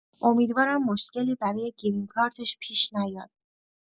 امیدوارم مشکلی برای گرین کارتش پیش نیاد